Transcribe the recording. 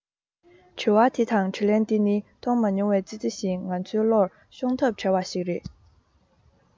དྲི བ འདི དང དྲིས ལན འདི ནི མཐོང མ མྱོང བའི ཙི ཙི བཞིན ང ཚོའི བློར ཤོང ཐབས བྲལ བ ཞིག རེད